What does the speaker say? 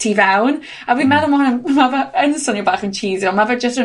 tu fewn a fi'n meddwl ma' hwnna'n, ma fe yn swnio bach yn cheesy, on' fe jyst yn